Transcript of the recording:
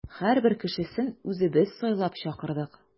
Һәрбер кешесен үзебез сайлап чакырдык.